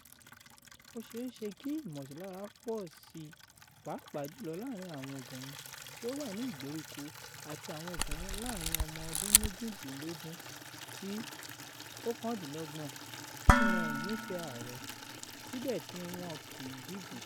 Ó ṣeéṣe kí ìmọ̀sílára pọ̀ sí pàápàá jùlọ láàrin àwọn obìnrin tí ó wà ní ìgbèríko àti àwọn ọmọbìnrin láàrin ọmọ ọdún méjìdínlógún sí óòkandínlọ́gbọ̀n tí wọ́n ò nífẹ̀ẹ́ ààrẹ, síbẹ̀ tí wọ́n kìí dìbò.”